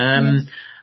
Yym.